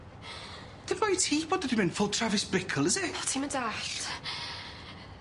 Dim bai ti bod e 'di mynd full Travis Bickle is it? O ti'm yn dallt.